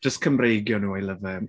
Jyst cymreigio nhw I love 'im.